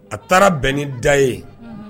A taara bɛn ni da ye